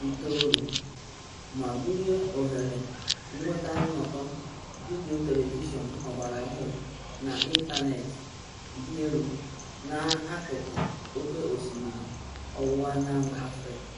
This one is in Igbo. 90 ma bulie ohere nnweta nnọkọ vidiyo, telivishọn ọgbaraọhụrụ na ịntaneetị dị elu n'akụkụ oke osimiri ọwụwaanyanwụ Afrịka.